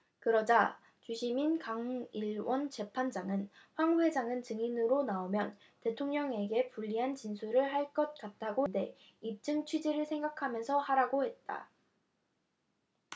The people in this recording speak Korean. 그러자 주심인 강일원 재판관은 황 회장은 증인으로 나오면 대통령에게 불리한 진술을 할 것 같다고 했는데 입증 취지를 생각하면서 하라고 말했다